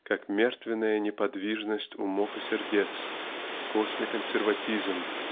как мертвенная неподвижность умов и сердец косный консерватизм